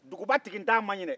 duguba tigintan man ɲi